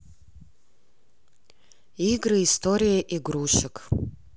игры история игрушек